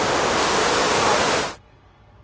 апп